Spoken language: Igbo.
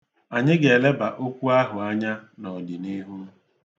Anyị ga-eleba okwu ahụ anya n'ọdinịịhu.